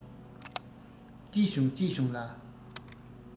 སྐྱིད བྱུང སྐྱིད བྱུང ལ